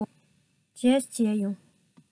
རྗེས སུ མཇལ ཡོང